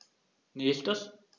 Nächstes.